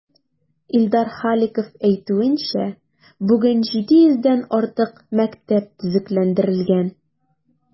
Илдар Халиков әйтүенчә, бүген 700 дән артык мәктәп төзекләндерелгән.